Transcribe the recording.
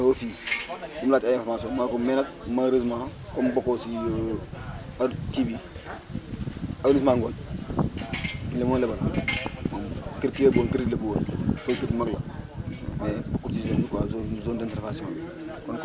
ñëw ba fii bi mu laajtee ay information ma ne ko mais nag malheureusement comme bokkoo si kii bi arrondissement Ngodj li ma lebal moom kii la bëggoon crédit la buggoon béykat bu mag la mais bokkul si zone bi quoi zone zone d' intervention bi